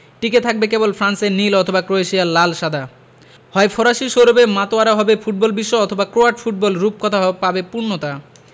টিকে থাকবে কেবল ফ্রান্সের নীল অথবা ক্রোয়েশিয়ার লাল সাদা হয় ফরাসি সৌরভে মাতোয়ারা হবে ফুটবলবিশ্ব অথবা ক্রোয়াট ফুটবল রূপকথা পাবে পূর্ণতা